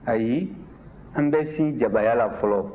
ayi an bɛ sin jabaaya la fɔlɔ